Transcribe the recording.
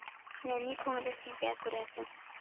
Нәни күңеле сизә, күрәсең!